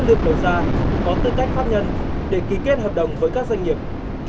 lượng đầu ra có tư cách pháp nhân để ký kết hợp đồng với các doanh nghiệp